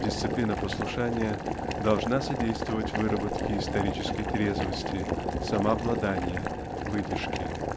дисциплина в послушаниях должна содействовать выработке исторической трезвости самообладания выдержки